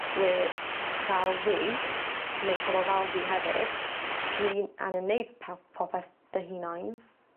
Where fal fi neu pobol fal fi hefyd ni angen neud paw- popeth dy hunain.